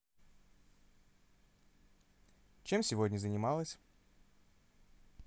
чем сегодня занималась